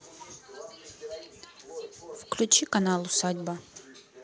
включи канал усадьба